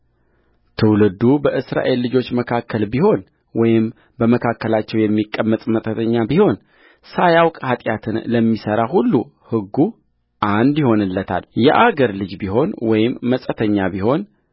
ትውልዱ በእስራኤል ልጆች መካከል ቢሆን ወይም በመካከላቸው የሚቀመጥ መጻተኛ ቢሆን ሳያውቅ ኃጢአትን ለሚሠራ ሁሉ ሕጉ አንድ ይሆንለታልየአገር ልጅ ቢሆን ወይም መጻተኛ ቢሆን